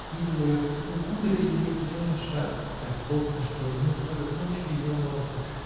видел я, как укутали ее в зеленую шаль, так плотно, что виднелся только кончик ее носика